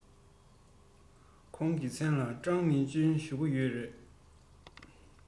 ཁོང གི མཚན ལ ཀྲང མིང ཅུན ཞུ གི ཡོད རེད